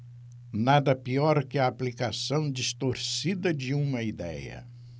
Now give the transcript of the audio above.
nada pior que a aplicação distorcida de uma idéia